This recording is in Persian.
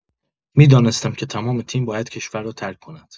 می‌دانستم که تمام تیم باید کشور را ترک کند.